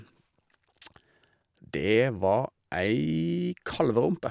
Det var ei kalverumpe.